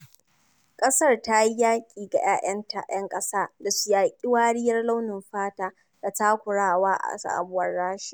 ƙasar ta yi kira ga 'ya'yanta ('yan ƙasa) da su yaƙi wariyar launin fata da takurawa a sabuwar Rasha.